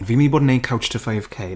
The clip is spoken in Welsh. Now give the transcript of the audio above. Fi'n mynd i bod yn wneud couch to 5k.